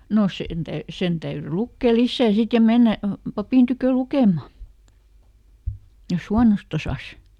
no sen - sen täytyi lukea lisää sitten ja mennä papin tykö lukemaan jos huonosti osasi